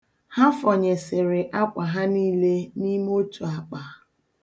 Ha fọnyesịrị akwa ha niile n'ime otu akpa.